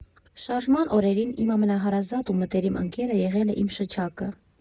Շարժման օրերին իմ ամենահարազատ ու մտերիմ ընկերը եղել է իմ շչակը։